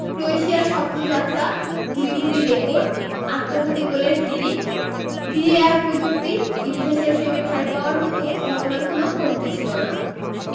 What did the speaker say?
ক্রোয়েশিয়ার স্বপ্নযাত্রা ভূরি ভূরি রেকর্ড আত্মঘাতী গোলের হিড়িক ভিএআর প্রযুক্তি ইতিহাসের ফ্রেমে ঠাঁই পাওয়ার মতো ঘটনার কোনো কমতি ছিল না